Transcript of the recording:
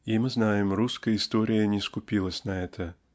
И -- мы знаем -- русская история не скупилась на это